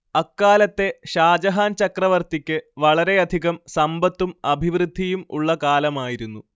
അക്കാലത്തെ ഷാജഹാൻ ചക്രവർത്തിക്ക് വളരെയധികം സമ്പത്തും അഭിവൃദ്ധിയും ഉള്ള കാലമായിരുന്നു